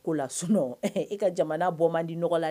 K'o la sunɔgɔ, ɛhɛ, e ka jamana bɔ man di nɔgɔ la!